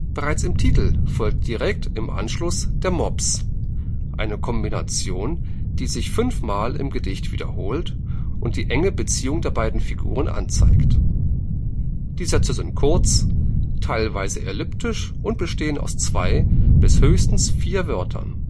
Bereits im Titel folgt direkt im Anschluss der Mops, eine Kombination, die sich fünfmal im Gedicht wiederholt und die enge Beziehung der beiden Figuren anzeigt. Die Sätze sind kurz, teilweise elliptisch und bestehen aus zwei bis höchstens vier Wörtern